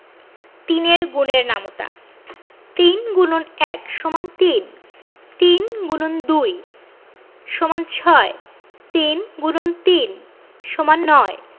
৩ এর গুণের নামতা ৩ X ১ = ৩ ৩ X ২ = ৬ ৩ × ৩ = ৯